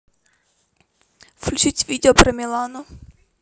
включить видео про милану